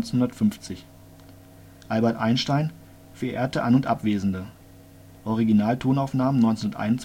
1950) Albert Einstein: Verehrte An - und Abwesende!, Originaltonaufnahmen 1921